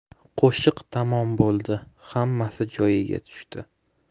qo'shiq tamom bo'ldi xammasi joyiga tushdi